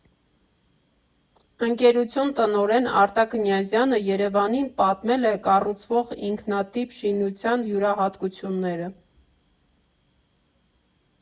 Ընկերություն տնօրեն Արտակ Կնյազյանը ԵՐԵՎԱՆին պատմել է կառուցվող ինքնատիպ շինության յուրահատկությունները։